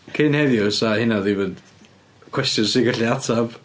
Cyn heddiw 'sa hynna ddim yn cwestiwn 'swn i'n gallu ateb.